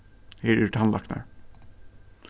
her eru tannlæknar